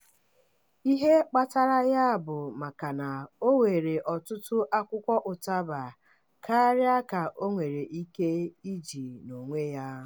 Ihe kpatara ya bụ maka na o were ọtụtụ akwụkwọ ụtaba karịa ka o nwere ike iji n'onwe ya.